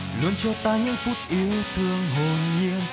luôn cho ta những phút yêu thương hồn nhiên